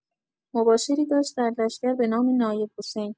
مباشری داشت در لشگر بنام نایب حسین.